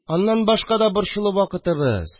Аннан башка да борчулы вакытыбыз